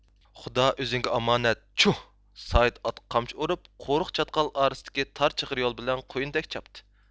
خۇدا ئۆزۈڭگە ئامانەت چۇھ سايىت ئاتقا قامچا ئۇرۇپ قورۇق چاتقال ئارىسىدىكى تار چىغىر يول بىلەن قۇيۇندەك چاپتى